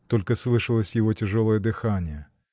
Только слышалось его тяжелое дыхание.